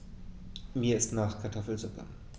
Mir ist nach Kartoffelsuppe.